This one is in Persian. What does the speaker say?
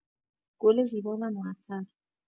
گل زیبا و معطر